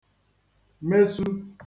mesu